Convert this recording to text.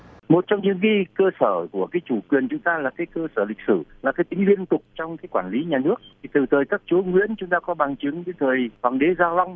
một trong những cái cơ sở của cái chủ quyền chúng ta là cái cơ sở lịch sử là cái tính liên tục trong quản lý nhà nước từ thời các chúa nguyễn chúng ta có bằng chứng cái thời hoàng đế gia long